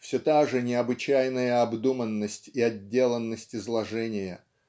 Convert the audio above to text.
Все та же необычайная обдуманность и отделанность изложения